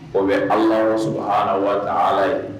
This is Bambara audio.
O bɛ alaso ha waa ala ye